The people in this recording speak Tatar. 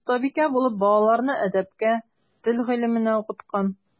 Остабикә булып балаларны әдәпкә, тел гыйлеменә укыткан.